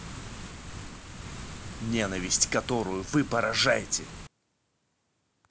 ненависть которую вы поражаете